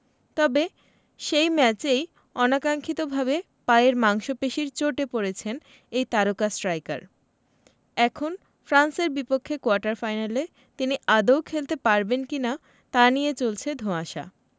তবে সেই ম্যাচেই অনাকাঙ্ক্ষিতভাবে পায়ের মাংসপেশির চোটে পড়েছেন এই তারকা স্ট্রাইকার এখন ফ্রান্সের বিপক্ষে কোয়ার্টার ফাইনালে তিনি আদৌ খেলতে পারবেন কি না তা নিয়ে চলছে ধোঁয়াশা